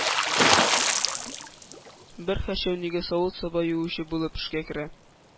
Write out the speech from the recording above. Бер хэрчэүнигә савыт-саба юучы булып эшкә керә.